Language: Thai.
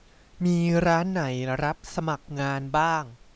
มีร้านไหนรับสมัครงานบ้าง